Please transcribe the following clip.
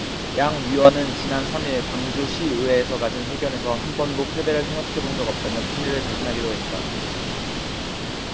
양 위원은 지난 삼 일 광주시의회에서 가진 회견에서 한번도 패배를 생각해 본 적 없다며 승리를 자신하기도 했다